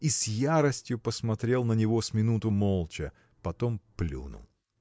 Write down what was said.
и с яростью посмотрел на него с минуту молча потом плюнул.